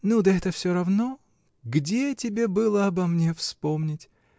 Ну, да это все равно; где тебе было обо мне вспомнить!